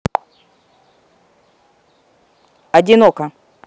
одинока